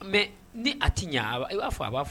Mɛ ni a tɛ ɲɛ' fɔ b'a